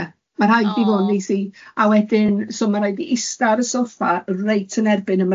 Ia ma rhai 'ddi fod neith i- a wedyn, so ma' raid 'i isda ar y soffa reit yn erbyn 'y mrawd.